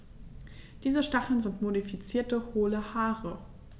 Diese Stacheln sind modifizierte, hohle Haare.